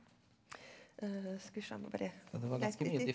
skal vi se jeg må bare .